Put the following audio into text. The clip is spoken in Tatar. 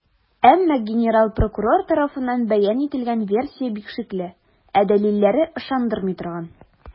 Әмма генераль прокурор тарафыннан бәян ителгән версия бик шикле, ә дәлилләре - ышандырмый торган.